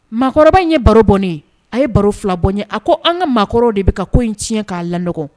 Maakɔrɔba in ye baro bɔnnen a ye baro fila bɔn a ko an ka maakɔrɔ de bɛ ka ko in tiɲɛ k'a la dɔgɔ